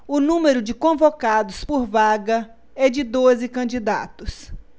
o número de convocados por vaga é de doze candidatos